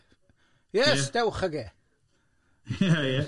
Yes, dewch ag e! Ie ie.